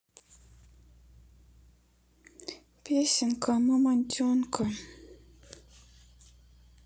песенка мамонтенка